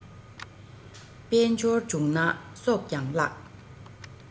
དཔལ འབྱོར བྱུང ན སྲོག ཀྱང བརླག